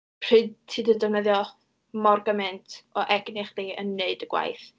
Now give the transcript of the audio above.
Pryd ti 'di defnyddio mor gymaint o egni chdi yn wneud y gwaith.